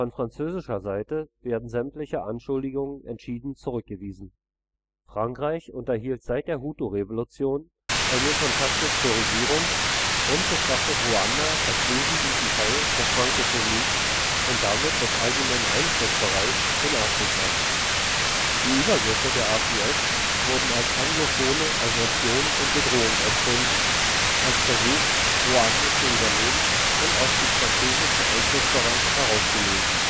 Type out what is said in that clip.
französischer Seite werden sämtliche Anschuldigungen entschieden zurückgewiesen. Frankreich unterhielt seit der Hutu-Revolution enge Kontakte zur Regierung und betrachtete Ruanda als wesentlichen Teil der Frankophonie und damit des eigenen Einflussbereichs in Afrika. Die Übergriffe der RPF wurden als „ anglophone “Aggression und Bedrohung empfunden, als Versuch, Ruanda zu übernehmen und aus dem französischen Einflussbereich herauszulösen